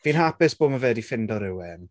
Fi'n hapus bo' ma' fe 'di ffindo rhywun.